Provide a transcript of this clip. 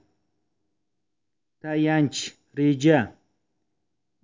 tayanch reja